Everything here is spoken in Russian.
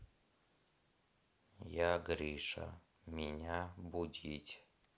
я гриша меня будить